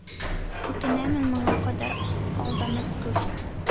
Үкенәмен моңа кадәр алданып, күп